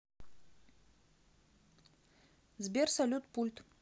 сбер салют пульт